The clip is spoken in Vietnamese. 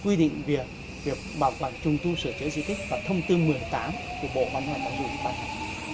quy định việc việc bảo quản trùng tu sửa chữa di tích và thông tư mười tám của bộ văn hóa giáo dục ban hành